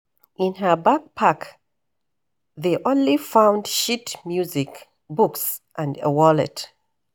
In her backpack, they only found sheet music, books, and a wallet.